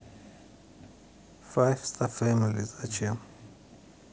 5sta family зачем